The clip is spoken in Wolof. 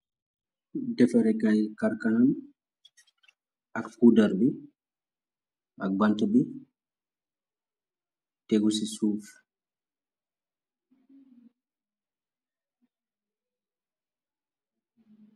Defarekay kaarkanam ak puudar bi ak bante bi tegu ci suuf.